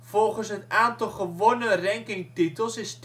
Volgens het aantal gewonnen rankingtitels is